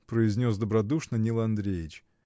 — произнес добродушно Нил Андреич.